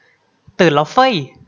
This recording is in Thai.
ตื่นแล้วเฟ้ย